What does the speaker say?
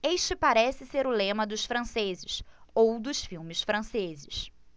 este parece ser o lema dos franceses ou dos filmes franceses